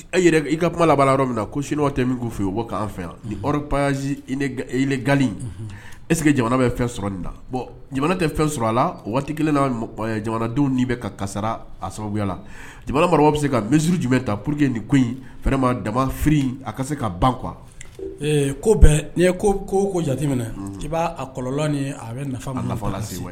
Ka kuma laban yɔrɔ min na ko tɛ min' fɛ yen ese jamana bɛ fɛn sɔrɔ nin bon jamana tɛ fɛn sɔrɔ a la o waati kelen jamanadenw bɛ kara a sababu la jamana bɛ se ka misiuru jumɛn ta pur que nin daba a se ka ban qu ee ko bɛɛ n'i ye ko ko ko jate minɛ nci' a kɔlɔn a bɛ nafafa